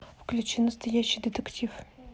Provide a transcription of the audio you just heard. включи настоящий детектив